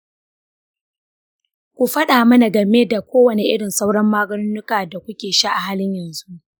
ku faɗa mana game da kowane irin sauran magunguna da kuke sha a halin yanzu.